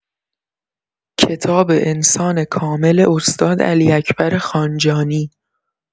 کتاب انسان کامل استاد علی‌اکبر خانجانی